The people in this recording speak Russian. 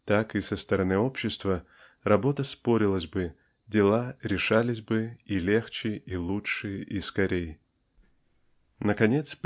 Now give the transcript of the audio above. так и со стороны общества работа спорилась бы дела решались бы и легче и лучше и скорей. Наконец